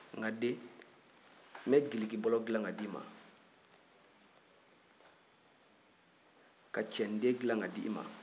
nka n den n ngilikibɔlɔ dilan ka d'i ma ka cɛninden dilan ka d'i ma